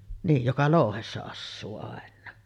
niin joka louhessa asuu aina